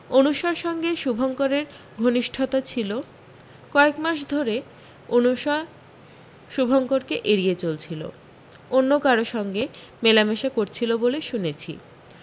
অনুষার সঙ্গে শুভঙ্করের ঘনিষ্ঠতা ছিল কয়েকমাস ধরে অনুষা শুভঙ্করকে এড়িয়ে চলছিল অন্য কারও সঙ্গে মেলামেশা করছিল বলে শুনেছি